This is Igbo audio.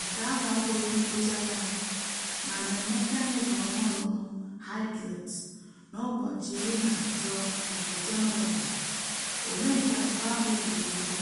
Nke ahụ abụghị ngwucha ya: na mmemme Kanịva ọhụrụ, "Hydrate", n'ụbọchị 13 nke Jenụwarị, omenka abụọ ahụ gụrụ egwu.